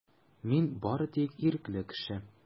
Мин бары тик ирекле кеше.